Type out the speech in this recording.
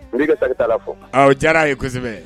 N b'i ka sac tala fo a o diyar'a ye kosɛbɛ